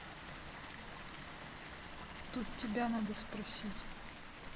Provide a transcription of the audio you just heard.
тут тебя надо спросить